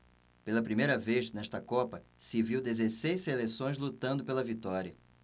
pela primeira vez nesta copa se viu dezesseis seleções lutando pela vitória